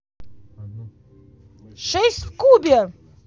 шесть в кубе